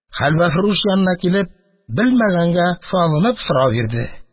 Хәлвәфрүш янына килеп, белмәгәнгә салынып, сорау бирде: